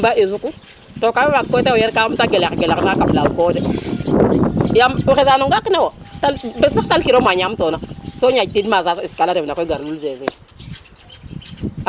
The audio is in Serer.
mbaɗ yo sukur to cafe faga o yar ka te gelex gelex na kam laaw ke wo yaam xesa no ŋak ne wo bes sax tal kiro ma ñam tona so ñaƴ tik ma Sas escale a ref tide na gar Lul seseen